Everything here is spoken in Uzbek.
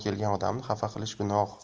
kelgan odamni xafa qilish gunoh